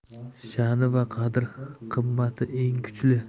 sha'ni va qadr qimmati eng kuchli